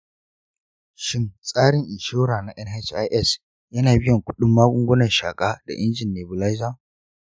shin tsarin inshora na nhis yana biyan kudin magungunan shaka da injin nebulizer?